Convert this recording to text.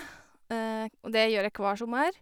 Og det gjør jeg kvar sommer.